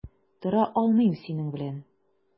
Тора алмыйм синең белән.